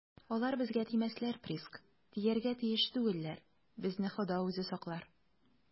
- алар безгә тимәсләр, приск, тияргә тиеш түгелләр, безне хода үзе саклар.